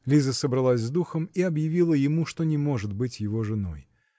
Лиза собралась с духом и объявила ему, что не может быть его женой.